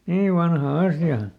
niin niin vanha asia